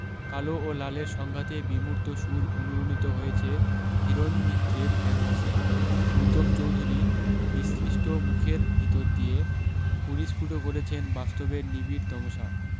কালো ও লালের সংঘাতে বিমূর্ত সুর অনুরণিত হয়েছে হিরণ মিত্রের ক্যানভাসে গুতম চোধুরী বিশ্লিষ্ট মুখের ভিতর দিয়ে পরিস্ফুট করেছেন বাস্তবের নিবিড় তমসা